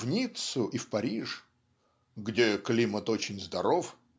в Ниццу и в Париж (где "климат очень здоров